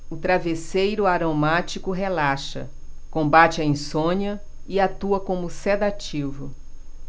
o travesseiro aromático relaxa combate a insônia e atua como sedativo